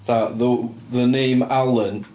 Fatha ddow- the name Alan.